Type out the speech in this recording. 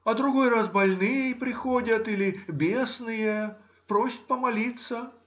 А другой раз больные приходят или бесные,— просят помолиться.